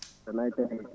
Donnaye Taredji